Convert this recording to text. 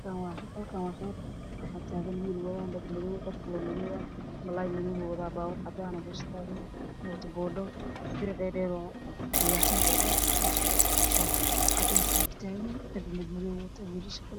Waa niman meel fadhiyo meesha ay fadhiyaan waxaa yaalo miis weyn